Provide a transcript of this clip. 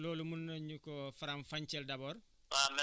ndax loolu mun nañu koo faram fàcceel d' abord